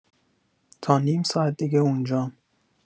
تا نیم ساعت دیگه اونجام